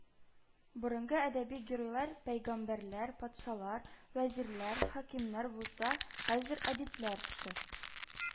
Борынгы әдәби геройлар пәйгамбәрләр, патшалар, вәзирләр, хакимнәр булса, хәзер әдипләр Ш